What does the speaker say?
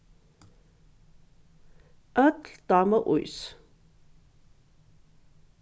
øll dáma ís